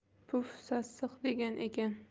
puf sassiq degan ekan